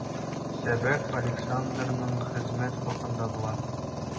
Сәбәп Александрның хезмәт хакында була.